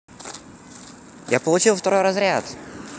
я получил второй разряд